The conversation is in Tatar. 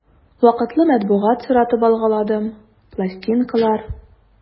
Вакытлы матбугат соратып алгаладым, пластинкалар...